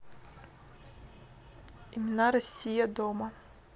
имена россия дома